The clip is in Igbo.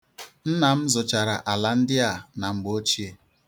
Nna m zụchara ala ndị a na mgbeochie.